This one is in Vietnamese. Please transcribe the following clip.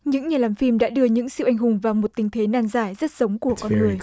những nhà làm phim đã đưa những siêu anh hùng vào một tình thế nan giải rất giống của con người